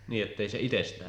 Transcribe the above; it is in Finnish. niin että ei se itsestään